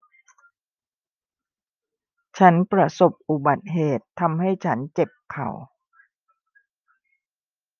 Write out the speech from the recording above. ฉันประสบอุบัติเหตุทำให้ฉันเจ็บเข่า